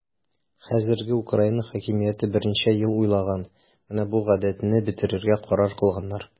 Хәзерге Украина хакимияте берничә ел уйлаган, менә бу гадәтне бетерергә карар кылганнар.